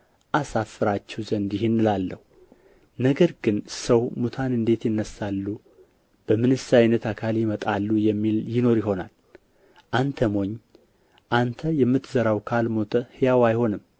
አሳፍራችሁ ዘንድ ይህን እላለሁ ነገር ግን ሰው ሙታን እንዴት ይነሣሉ በምንስ ዓይነት አካል ይመጣሉ የሚል ይኖር ይሆናል አንተ ሞኝ አንተ